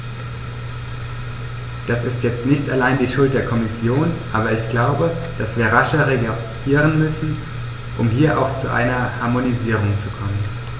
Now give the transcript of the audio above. Das ist jetzt nicht allein die Schuld der Kommission, aber ich glaube, dass wir rascher reagieren müssen, um hier auch zu einer Harmonisierung zu kommen.